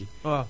waaw